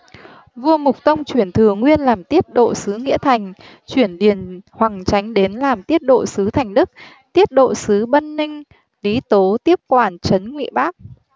vua mục tông chuyển thừa nguyên làm tiết độ sứ nghĩa thành chuyển điền hoằng chánh đến làm tiết độ sứ thành đức tiết độ sứ bân ninh lý tố tiếp quản trấn ngụy bác